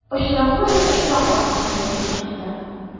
Очраклы бер очрак аркасында килеп чыкты.